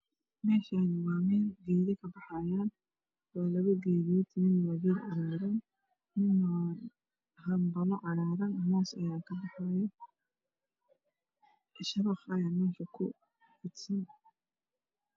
Meeshaani waa meel geedo ka baxaayan labo geedo midna waa cagaar moos ayaa ka baxaayo shabaq ayaa ku waregsan